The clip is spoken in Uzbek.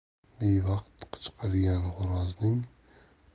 bevaqt qichqirgan xo'rozning